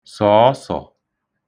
sọ̀ọsọ̀